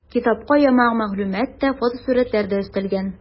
Китапка яңа мәгълүмат та, фотосурәтләр дә өстәлгән.